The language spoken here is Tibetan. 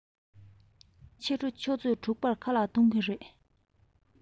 ཕྱི དྲོ ཆུ ཚོད དྲུག པར ཁ ལག གཏོང གི རེད